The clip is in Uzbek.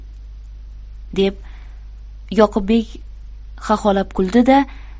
deb yoqubbek xaxolab kuldi da